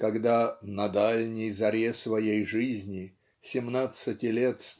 когда на "дальней заре своей жизни семнадцати лет